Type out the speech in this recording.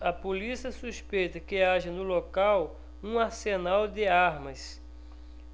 a polícia suspeita que haja no local um arsenal de armas